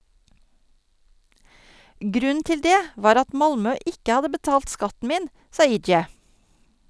Grunnen til det var at Malmö ikke hadde betalt skatten min, sa Ijeh.